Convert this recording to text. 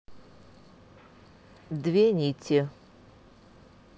две нити